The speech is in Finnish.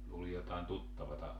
luuli jotakin tuttavaa